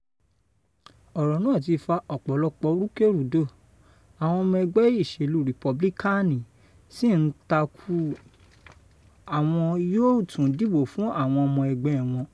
Ọ̀rọ̀ náà ti fa ọ̀pọ̀lọ̀pọ̀ rúkèrúdò, àwọn ọmọ ẹgbẹ́ ìṣèlú Rìpúbílíkáànì sì ń takú àwọn yóò tún dìbò fún àwọn ọmọ ẹgbẹ́ wọn.